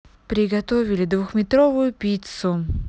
приготовили двухметровую пиццу